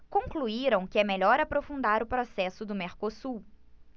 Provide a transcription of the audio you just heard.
concluíram que é melhor aprofundar o processo do mercosul